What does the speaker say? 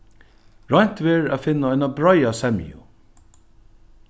roynt verður at finna eina breiða semju